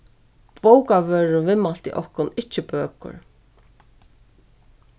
bókavørðurin viðmælti okkum ikki bøkur